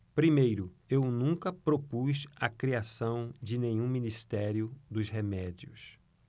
primeiro eu nunca propus a criação de nenhum ministério dos remédios